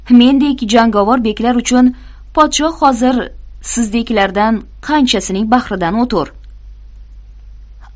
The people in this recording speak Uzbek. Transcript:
mendek jangovar beklar uchun podshoh hozir sizdeklardan qanchasining bahridan o'tur